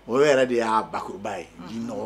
O yɛrɛ de y'a bakoba ye